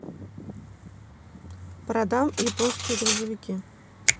продам японские грузовики